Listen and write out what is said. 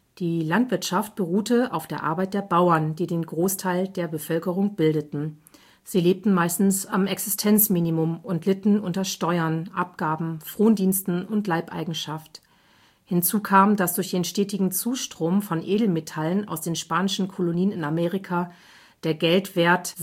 Die Landwirtschaft beruhte auf der Arbeit der Bauern, die den Großteil der Bevölkerung bildeten. Sie lebten meistens am Existenzminimum und litten unter Steuern, Abgaben, Frondiensten und Leibeigenschaft. Hinzu kam, dass durch den stetigen Zustrom von Edelmetallen aus den spanischen Kolonien in Amerika der Geldwert